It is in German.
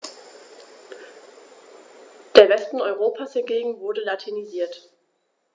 Der Westen Europas hingegen wurde latinisiert.